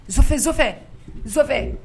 Fɛfɛfɛ